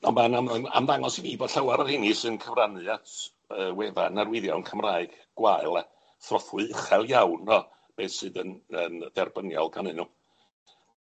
On' ma'n am- ym- ymddangos i fi bod llawer o rheini sy'n cyfrannu at yy wefan arwyddion Cymraeg gwael a throthwy uchel iawn o beth sydd yn yn dderbyniol ganddyn nw.